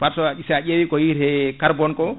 par sois sa ƴeewi ko wiyite carbonne ko